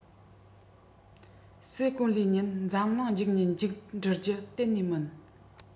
སའི གོ ལའི ཉིན འཛམ གླིང འཇིག ཉིན མཇུག བསྒྲིལ རྒྱུ གཏན ནས མིན